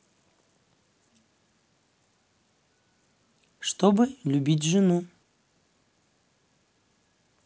чтобы любить жену